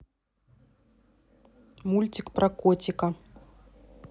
мультик про котика